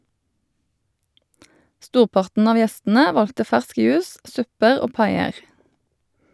Storparten av gjestene valgte fersk juice, supper og paier.